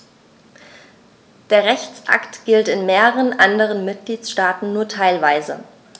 Der Rechtsakt gilt in mehreren anderen Mitgliedstaaten nur teilweise.